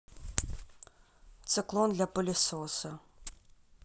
циклон для пылесоса